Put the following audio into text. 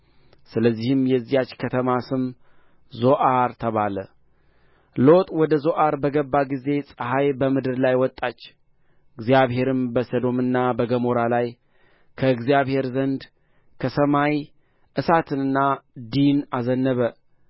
ስለዚህም የዚያች ከተማ ስም ዞዓር ተባለ ሎጥ ወደ ዞዓር በገባ ጊዜ ፀሐይ በምድር ላይ ወጣች እግዚአብሔርም በሰዶምና በገሞራ ላይ ከእግዚአብሔር ዘንድ ከሰማይ እሳትና ዲን አዘነበ